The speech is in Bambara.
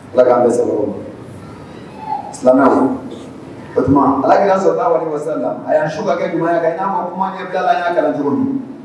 Alaki' an bɛ sababu filanan o tuma ala k'i'a sɔrɔta wale masa la a y' su ka kɛya kan'a ma kuma ɲɛ bilala y'a kɛra cogo min